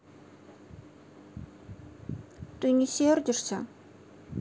ты не сердишься